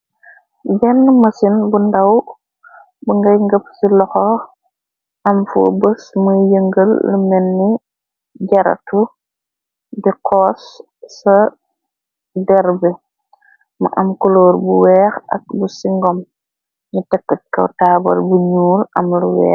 Benn mësin bu ndaw bu ngay ngëpp ci loxo am foy bes muy yëngël lu menni ,di xoos sa derbe, mu am koloor bu weex ak bu singom nyu tek ko si kaw taabal bu bu ñuul am lu weex.